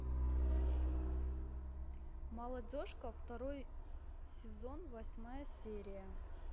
молодежка второй сезон восьмая серия